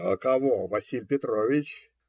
- Каково, Василий Петрович?